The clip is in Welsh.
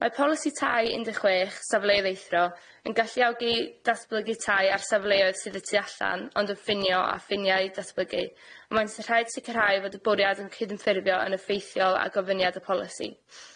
Mae Polisi TAI un deg chwech ('Safleoedd Eithrio') yn galluogi datblygu tai ar safleoedd sydd y tu allan, ond yn ffinio â ffiniau datblygu, ond mae'n sy- rhaid sicrhau fod y bwriad yn cydymffurfio yn effeithiol a gofyniad y polisi.